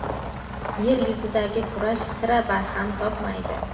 yer yuzidagi kurash sira barham topmaydi